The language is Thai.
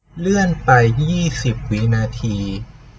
เลื่อนไปยี่สิบวินาที